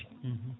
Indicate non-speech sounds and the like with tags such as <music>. <hesitation> <hesitation>